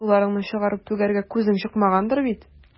Аш-суларыңны чыгарып түгәргә күзең чыкмагандыр бит.